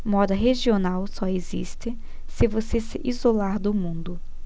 moda regional só existe se você se isolar do mundo